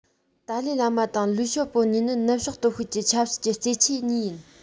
ཏཱ ལའི བླ མ དང ལིའུ ཞའོ པོ གཉིས ནི ནུབ ཕྱོགས སྟོབས ཤུགས ཀྱི ཆབ སྲིད ཀྱི རྩེད ཆས གཉིས ཡིན